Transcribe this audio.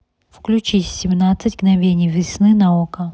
включи семнадцать мгновений весны на окко